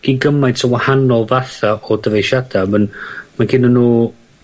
gin gymaint o wahanol fatha o dyfeisiada ma'n ma' gennyn nw